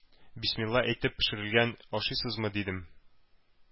Бисмилла әйтеп пешерелгән, ашыйсыңмы?” – дидем.